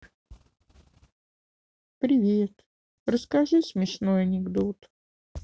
привет расскажи смешной анекдот